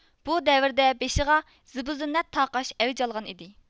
بۇ دەۋردە بېشىغا زىببۇ زىننەت تاقاش ئەۋج ئالغان ئىدى